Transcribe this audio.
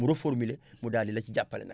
mu reformulé mu daal di la ci jàppale nag